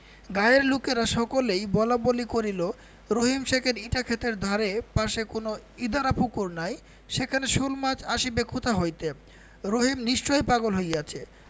গায়ের লোকেরা সকলেই বলাবলি করিল রহিম শেখের ইটাক্ষেতের ধারে পাশে কোনো ইদারা পুকুর নাই সেখানে শোলমাছ আসিবে কোথা হইতে রহিম নিশ্চয়ই পাগল হইয়াছে